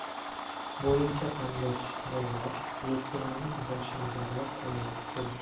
bo'yicha qarindosh urug'lar yesirning boshini bog'lab qo'yaylik dedi